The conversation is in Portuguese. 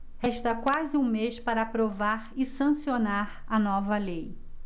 resta quase um mês para aprovar e sancionar a nova lei